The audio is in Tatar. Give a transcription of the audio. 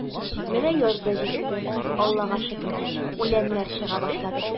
Менә яз да житте, Аллага шөкер, үләннәр чыга башлар.